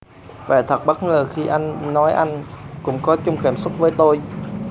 và thật bất ngờ khi anh nói anh cũng có chung cảm xúc với tôi